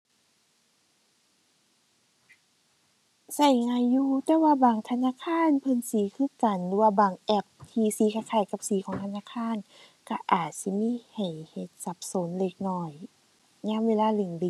ใช้ง่ายอยู่ แต่ว่าบางธนาคารเพิ่นสิคือกันว่าบางแอปที่สีคล้ายคล้ายกับสีของธนาคารใช้อาจสิมีให้เฮ็ดสับสนเล็กน้อย ยามเวลาเร่งรีบ